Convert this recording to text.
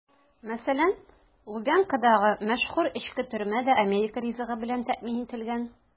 Мәсәлән, Лубянкадагы мәшһүр эчке төрмә дә америка ризыгы белән тәэмин ителгән.